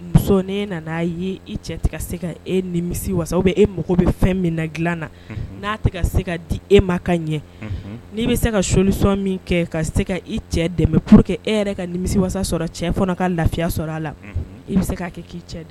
Son nana'a ye tigɛ ka e nimisa bɛ e mago bɛ fɛn min dilan na n' se ka di e ma ka ɲɛ n'i bɛ se ka soonisɔn min kɛ ka se ka i cɛ dɛmɛ porour que e yɛrɛ ka nimi wasa sɔrɔ cɛ ka lafiya sɔrɔ a la i bɛ se k' kɛ k'i cɛ dɛ